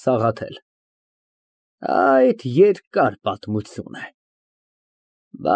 ՍԱՂԱԹԵԼ ֊ Այդ երկար պատմություն է։